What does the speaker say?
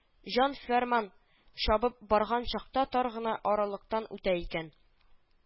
Җан-ферман чабып барган чакта тар гына аралыктан үтә икән